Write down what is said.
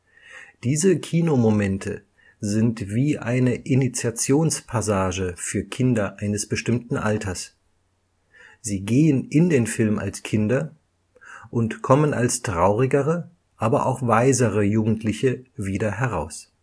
…] Diese Kinomomente sind wie eine Initiationspassage für Kinder eines bestimmten Alters: Sie gehen in den Film als Kinder, und kommen als traurigere, aber auch weisere Jugendliche wieder heraus